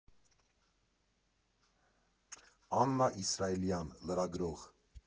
Աննա Իսրայելյան, լրագրող։